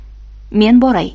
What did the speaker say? men boray